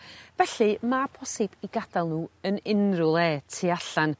Felly ma' posib 'u gadal n'w yn unryw le tu allan.